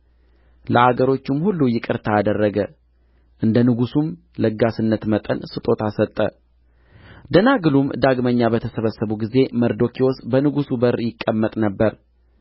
ለአገሮቹም ሁሉ ይቅርታ አደረገ እንደ ንጉሡም ለጋስነት መጠን ስጦታ ሰጠ ደናግሉም ዳግመኛ በተሰበሰቡ ጊዜ መርዶክዮስ በንጉሡ በር ይቀመጥ ነበር